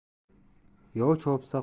yolg'iz aql o'zi yaxshi